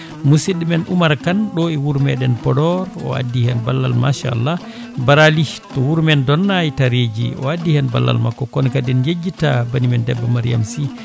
musidɗo men Oumar Kane ɗo e wuuro meɗen Podor o addi hen ballal machallah Bara Ly to wuuro men Donnayio Tareji o addi hen ballal makko kono kadi en jejjitta banimen debbo Mariame Sy